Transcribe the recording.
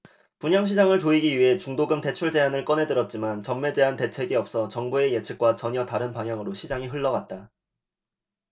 분양시장을 조이기 위해 중도금 대출 제한을 꺼내들었지만 전매제한 대책이 없어 정부의 예측과 전혀 다른 방향으로 시장이 흘러갔다